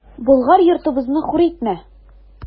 Болгар йортыбызны хур итмә!